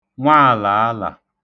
nwaàlàalà